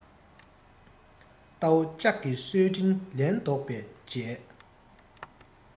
རྟ བོ ལྕགས གིས གསོས དྲིན ལན རྡོག པས འཇལ